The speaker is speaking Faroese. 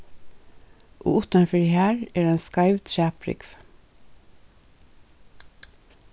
og uttan fyri har er ein skeiv træbrúgv